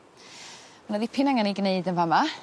Ma' 'na ddipyn angen 'i gneud yn fa' 'ma.